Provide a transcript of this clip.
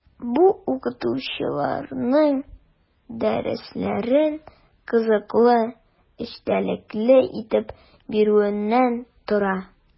Бу – укытучыларның дәресләрен кызыклы, эчтәлекле итеп бирүеннән тора.